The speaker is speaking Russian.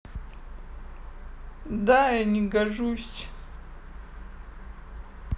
да я не горжусь